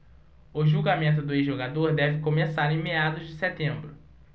o julgamento do ex-jogador deve começar em meados de setembro